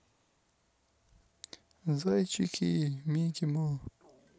зайчики micky more